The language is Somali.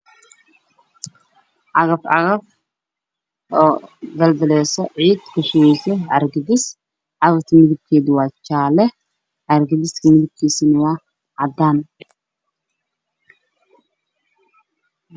Waa cagaf cagaf midabkeedu yahay jaalo Guri dhismo ku socda